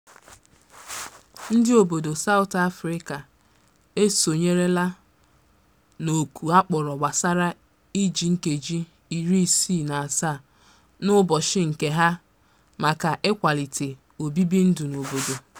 Ndị obodo South Afrịka esonyerela n'oku akpọrọ gbasara iji nkeji 67 n'ụbọchị nke ha maka ịkwalite obibi ndụ n'obodo.